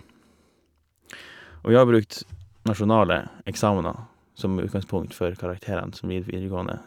Og vi har brukt nasjonale eksamener som utgangspunkt for karakterene som i videregående.